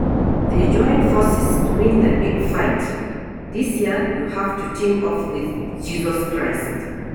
They join forces to win the big fight... this year you have to team up with Jesus Christ